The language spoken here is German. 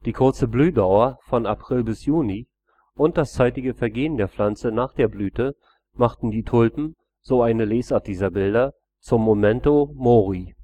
kurze Blühdauer von April bis Juni und das zeitige Vergehen der Pflanzen nach der Blüte machten die Tulpen, so eine Lesart dieser Bilder, zum Memento mori